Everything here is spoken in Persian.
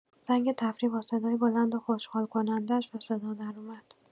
زنگ تفریح با صدای بلند و خوشحال‌کننده‌ش به صدا دراومد.